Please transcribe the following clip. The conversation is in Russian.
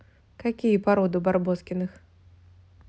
какие породы у барбоскиных